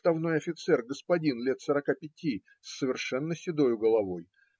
отставной офицер, господин лет сорока пяти, с совершенно седою головой